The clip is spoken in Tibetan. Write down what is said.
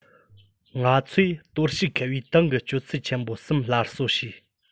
ང ཚོས གཏོར བཤིག ཁེལ བའི ཏང གི སྤྱོད ཚུལ ཆེན པོ གསུམ སླར གསོ བྱས